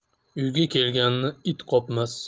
uyga kelganni it qopmas